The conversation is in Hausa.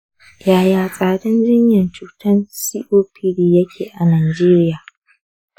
yaya tsadan jinyan cutan copd yake a nigeria?